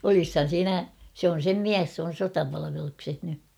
olisihan siinä se on sen mies se on sotapalveluksessa nyt